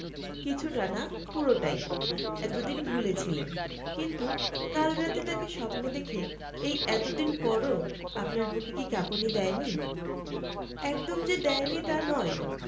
কিছুটা না পুরোটাই এত দিন ভুলে ছিলেন কিন্তু কাল রাতে তাকে স্বপ্নে দেখে এই এত দিন পরও আপনার বুকে কি কাঁপুনি দেয়নি একদম যে দেয়নি তা নয়